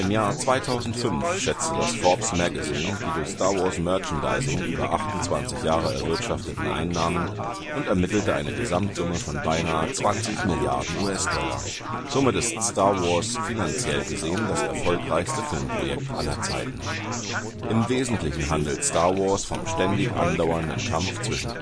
Jahr 2005 schätzte das Forbes Magazine die durch Star-Wars-Merchandising über 28 Jahre erwirtschafteten Einnahmen und ermittelte eine Gesamtsumme von beinahe 20 Milliarden US-Dollar. Somit ist Star Wars, finanziell gesehen, das erfolgreichste Filmprojekt aller Zeiten. Im wesentlichen handelt Star Wars vom ständig andauernden Kampf zwischen